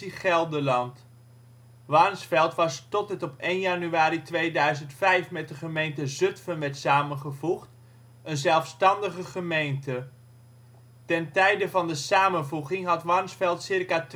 Gelderland. Warnsveld was tot het op 1 januari 2005 met de gemeente Zutphen werd samengevoegd een zelfstandige gemeente. Ten tijde van de samenvoeging had Warnsveld circa